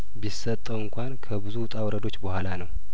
ቢ ሰጠው እንኳን ከብዙ ውጣ ውረዶች በኋላ ነው